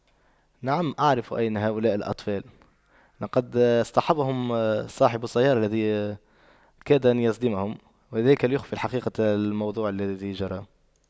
نعم أعرف أين هؤلاء الأطفال لقد أصطحبهم صاحب السيارة الذي كاد ان يصدمهم وذلك ليخفي الحقيقة للموضوع الذي جرى